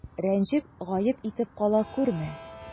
Рәнҗеп, гаеп итеп кала күрмә.